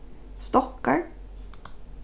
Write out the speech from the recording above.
stokkar